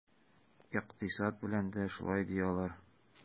Икътисад белән дә шулай, ди алар.